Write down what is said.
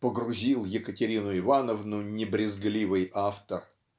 погрузил Екатерину Ивановну небрезгливый автор.